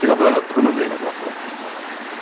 Ti'n gwybod pwy mae fe'n atgoffa tipyn bach?